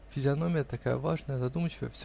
Физиономия такая важная, задумчивая